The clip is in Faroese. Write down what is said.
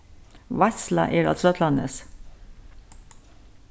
veitsla er á trøllanesi